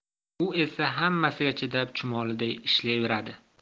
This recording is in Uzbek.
u esa hammasiga chidab chumoliday ishlayveradi